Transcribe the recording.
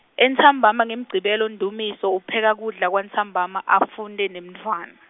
entsambama ngeMgcibelo Ndumiso upheka kudla kwantsambama afunte nemntfwana.